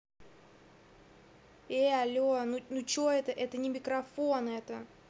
эй алле ну че это это не микрофон это